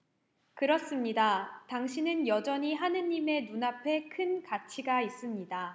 그렇습니다 당신은 여전히 하느님의 눈앞에 큰 가치가 있습니다